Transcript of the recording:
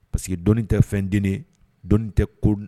Parce que dɔɔnin tɛ fɛn denin ye dɔɔni tɛ Ko